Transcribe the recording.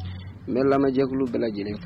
N bɛ lamɛnjɛkulu bɛɛ lajɛlen